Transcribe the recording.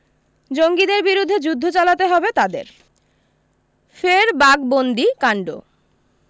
জঙ্গিদের বিরুদ্ধে যুদ্ধ চালাতে হবে তাদের ফের বাঘবন্দি কান্ড